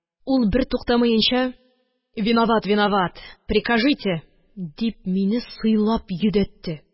Ул, бертуктамаенча: «Виноват, виноват, прикажите!» – дип, мине сыйлап йөдәтте